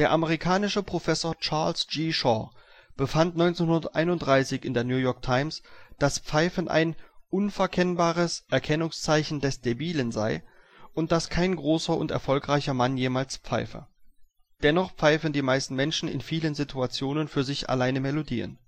amerikanische Professor Charles G. Shaw befand 1931 in der New York Times, dass Pfeifen ein unverkennbares Erkennungszeichen des Debilen sei und dass kein großer und erfolgreicher Mann jemals pfeife. Dennoch pfeifen die meisten Menschen in vielen Situationen für sich alleine Melodien